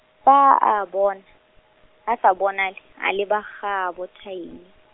fa a bona, a sa bonale, a leba gaabo Tiny.